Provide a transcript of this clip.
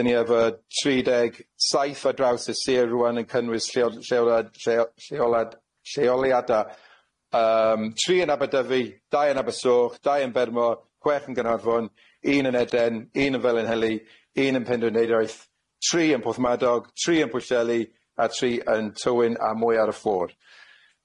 Dyn ni efo tri deg saith ar draws y Sir rŵan yn cynnwys lleo- lleolad lleo- lleolad lleoliada yym tri yn Aberdyfi, dau yn Abersoch, dau yn Bermo, chwech yn Gaernarfon, un yn Eden, un yn Felinheli, un yn Penrhyndeudraeth, tri yn Porthmadog tri yn Pwllheli a tri yn Tywyn a mwy ar y ffor.